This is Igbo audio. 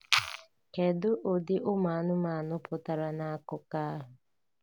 "Kedu ụdị ụmụanụmanụ pụtara n'akụkọ ahụ?"